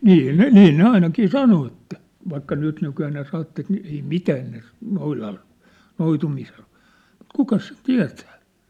niin ne niin ne ainakin sanoi että vaikka nytnykyään ne sanottaisiin niin ei mitään ne noidalle noitumiselle voi mutta kukas sitten tietää